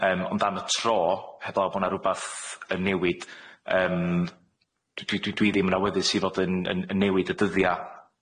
Yym ond am y tro, heblaw bo' 'na rwbath yn newid yym dwi dwi dwi dwi ddim yn awyddus i fod yn yn yn newid y dyddia'.